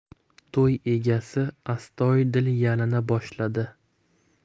to'y egasi astoydil yalina boshladi